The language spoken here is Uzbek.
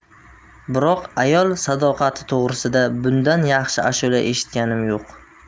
biroq ayol sadoqati to'g'risida bundan yaxshi ashula eshitganim yo'q